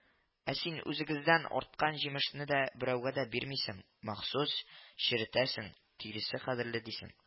Ә син үзегездән арткан җимешне дә берәүгә дә бирмисең, махсус черетәсең, тиресе кадерле дисең